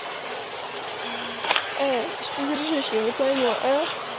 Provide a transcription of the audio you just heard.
ты что дерзишь я не пойму